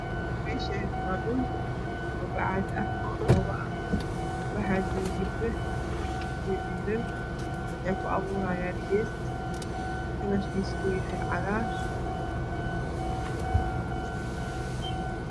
Meshani waa dhul oo bacad ah oo dhobo ah waxa jogo gabdho io wll waxey ku aburayan geed kalarkis yahay cagar